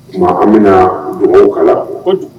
Tuma an bɛna dugawkala